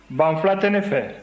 banfula tɛ ne fɛ